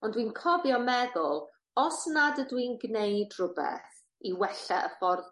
Ond dwi'n cofio meddwl os nad ydw i'n gneud rhwbeth i wella y ffordd